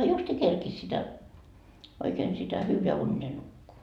justiin kerkisi sitä oikein sitä hyvä uneta nukkua